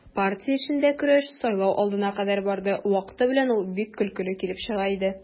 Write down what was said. Партия эчендә көрәш сайлау алдына кадәр барды, вакыты белән ул бик көлкеле килеп чыга иде.